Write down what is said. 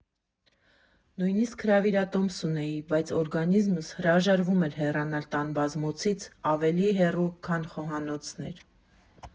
Նույնիսկ հրավիրատոմս ունեի, բայց օրգանիզմս հրաժարվում էր հեռանալ տան բազմոցից ավելի հեռու, քան խոհանոցն էր։